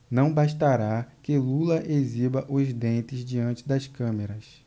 não bastará que lula exiba os dentes diante das câmeras